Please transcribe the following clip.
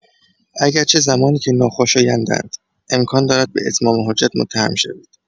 اگرچه زمانی که ناخوشایندند، امکان دارد به اتمام حجت متهم شوید.